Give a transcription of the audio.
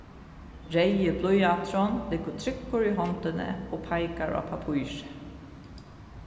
reyði blýanturin liggur tryggur í hondini og peikar á pappírið